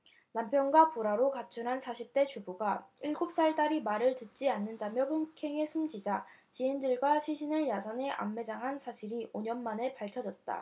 남편과 불화로 가출한 사십 대 주부가 일곱 살 딸이 말을 듣지 않는다며 폭행해 숨지자 지인들과 시신을 야산에 암매장한 사실이 오 년만에 밝혀졌다